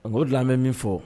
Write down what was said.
N dilan bɛ min fɔ